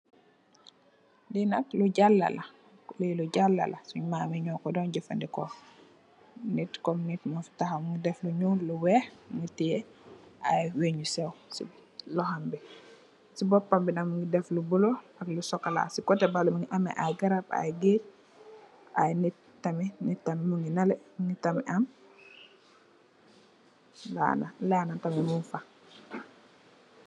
li nak lu jala la li lu jala la sunj Mami nyokodan jefendehkoo nit kom nit my tahaw Mu def lu nyool lu weex teh ay wenj yu sew ci loham bi ci bopam bi nak mungi def lu bulo ak lu sokola ci koteh beleh mungi ameh ay jarap ay geej ay nit tamit nit tamit nyungi neleh Lada tamit mung fa